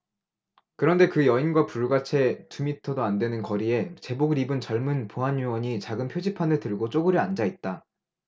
그런데 그 여인과 불과 채 두 미터도 안 되는 거리에 제복을 입은 젊은 보안 요원이 작은 표지판을 들고 쪼그려 앉아 있다